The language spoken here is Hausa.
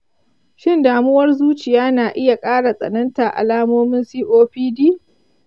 shin damuwar zuciya na iya ƙara tsananta alamomin copd?